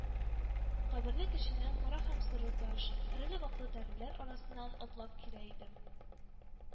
Каберлек эченнән, кара һәм соры таш, эреле-ваклы тәреләр арасыннан атлап килә идем